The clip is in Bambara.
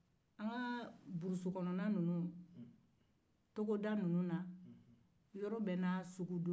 an ka togoda ninnu na yɔrɔ bɛɛ n'a sugudon don